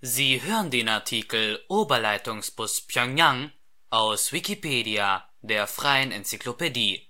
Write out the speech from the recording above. Sie hören den Artikel Oberleitungsbus Pjöngjang, aus Wikipedia, der freien Enzyklopädie.